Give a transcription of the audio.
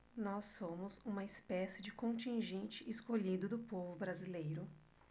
nós somos uma espécie de contingente escolhido do povo brasileiro